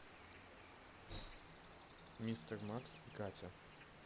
мистер макс и катя